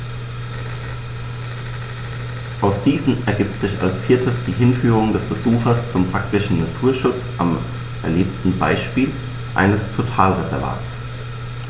Aus diesen ergibt sich als viertes die Hinführung des Besuchers zum praktischen Naturschutz am erlebten Beispiel eines Totalreservats.